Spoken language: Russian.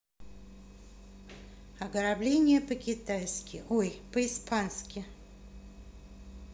ограбление по китайски ой по испански